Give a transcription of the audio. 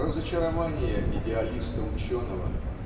Разочарование идеалиста-ученого